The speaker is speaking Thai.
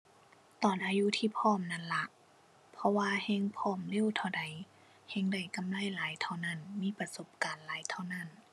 ตอนอายุที่พร้อมนั่นล่ะ เพราะว่าแฮ่งพร้อมเร็วเท่าใด แฮ่งได้กำไรหลายเท่านั้น มีประสบการณ์หลายเท่านั้น